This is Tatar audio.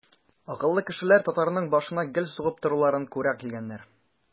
Акыллы кешеләр татарның башына гел сугып торуларын күрә килгәннәр.